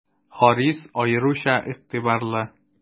Харис аеруча игътибарлы.